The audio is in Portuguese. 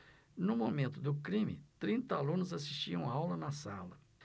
no momento do crime trinta alunos assistiam aula na sala